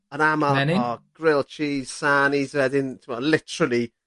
Yn amal... Menyn? ...o grilled cheese sarnies wedyn t'mo' literally